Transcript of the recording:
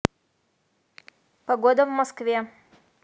погода в москве